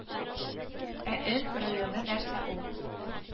Ә эн районы нәрсә ул